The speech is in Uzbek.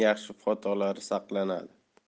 yaxshi fotolari saqlanadi